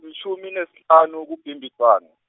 lishumi nesihlani kuBhimbidvwane.